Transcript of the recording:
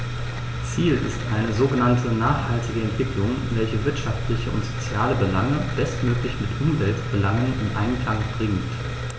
Ziel ist eine sogenannte nachhaltige Entwicklung, welche wirtschaftliche und soziale Belange bestmöglich mit Umweltbelangen in Einklang bringt.